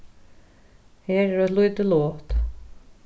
her er eitt lítið lot